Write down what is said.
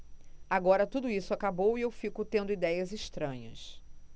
agora tudo isso acabou e eu fico tendo idéias estranhas